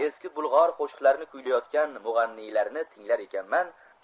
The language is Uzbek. eski bulg'or qo'shiqlarini kuylayotgan mug'anniylarni tinglar ekanman